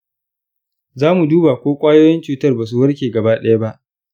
za mu duba ko ƙwayoyin cutar ba su warke gaba ɗaya ba.